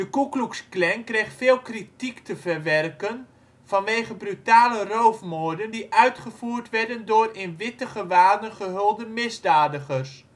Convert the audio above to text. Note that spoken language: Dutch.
Ku Klux Klan kreeg veel kritiek te verwerken vanwege brutale roofmoorden die uitgevoerd werden door in witte gewaden gehulde misdadigers